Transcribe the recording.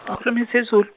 ngikhulumi isiZu-.